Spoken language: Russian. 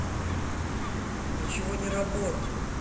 ничего не работает